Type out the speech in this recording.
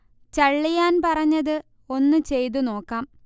ചള്ളിയാൻ പറഞ്ഞത് ഒന്ന് ചെയ്തു നോക്കാം